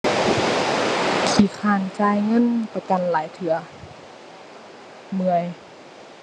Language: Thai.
ขี้คร้านจ่ายเงินประกันหลายเทื่อ เมื่อย